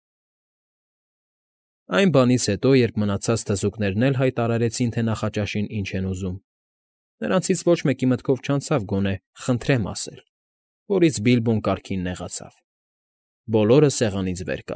Այն բանից հետո, երբ մնացած թզուկներն էլ հայտնեցին, թե նախաճաշին ինչ են ուզում (նրանցից ոչ մեկի մտքով չանցավ գոնե «խնդրեմ» ասել, որից Բիլբոն կարգին նեղացավ), բոլորը սեղանից վեր։